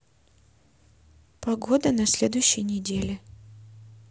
погода на следующей неделе